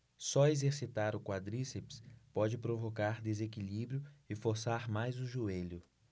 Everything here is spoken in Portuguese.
só exercitar o quadríceps pode provocar desequilíbrio e forçar mais o joelho